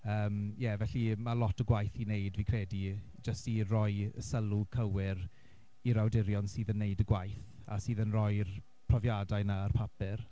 yym ie felly ma' lot o gwaith i wneud fi credu jyst i roi y sylw cywir i'r awdurion sydd yn wneud y gwaith a sydd yn rhoi'r profiadau yna ar y papur.